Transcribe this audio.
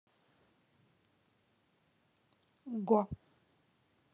го